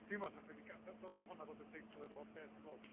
Dwi'n meddwl 'sa chdi 'di gada- dd- ddylsa honna fod y teitl yr holl beth, dwi'n meddwl,